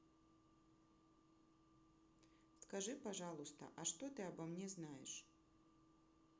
скажи пожалуйста а что ты обо мне знаешь